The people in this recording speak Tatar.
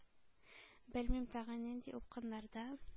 Белмим, тагы нинди упкыннарда